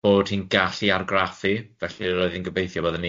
Bod hi'n gallu argraffu, felly roedd hi'n gobeithio bydden